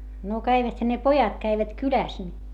no käviväthän ne pojat kävivät kylässä niin